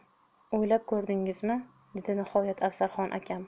o'ylab ko'rdingizmi dedi nihoyat afzalxon akam